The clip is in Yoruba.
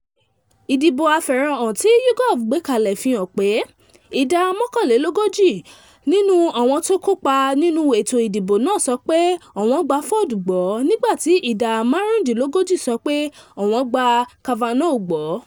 Ìdìbò afèròhàn tí YouGov gbé kalẹ̀ fi hàn pé ìdá mọ́kànlelógoji nínú àwọn tó kópa nínú ètò ìdìbò náà sọ pé àwọn gba Ford gbọ́ nígbà tí ìdá márùndínlógójì ló sọ pé àwọn gba Kavanaugh gbọ́.